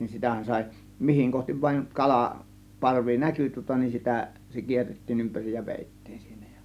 sitähän sai mihin kohti vain kala parvi näkyi tuota niin sitä se kierrettiin ympäri ja vedettiin siinä ja